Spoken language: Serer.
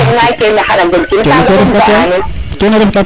kene koy ref ndat waay kene ref ndaxt